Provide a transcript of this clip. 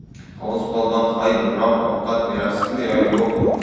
hovuz polvon hoy mirob ovqat berasizmi yo yo'qmi